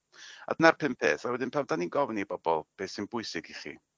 A dyna'r pump peth a wedyn pan 'dan ni'n gofyn i bobol be' sy'n bwysig i chi